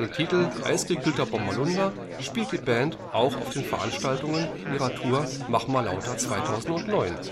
Titel Eisgekühlter Bommerlunder spielt die Band auch auf den Veranstaltungen ihrer Tour Machmalauter 2009